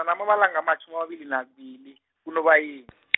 ana- amalanga amatjhumi amabili, nakubili, kuNobayeni .